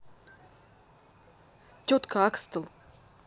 тетка акстел